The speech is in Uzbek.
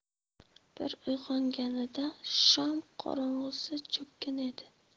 bir uyg'onganida shom qorong'isi cho'kkan edi